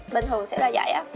bình thường sẽ là dậy á